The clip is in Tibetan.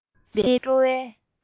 ལྷོད མེད པའི སྤྲོ བའི